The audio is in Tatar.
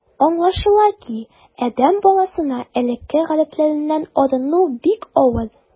Аңлашыла ки, адәм баласына элекке гадәтләреннән арыну бик авыр.